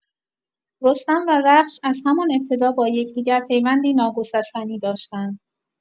رستم و رخش از همان ابتدا با یکدیگر پیوندی ناگسستنی داشتند.